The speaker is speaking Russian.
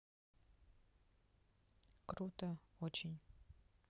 круто очень